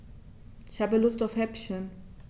Ich habe Lust auf Häppchen.